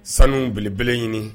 Sanu belebele ɲini